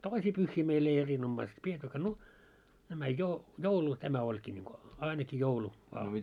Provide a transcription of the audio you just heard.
toisia pyhiä meillä ei erinomaista pidettykään no nämä - joulu tämä olikin niin kuin ainakin joulu vain